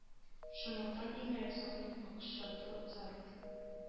Шунлыктан иң элек сакны какшату зарур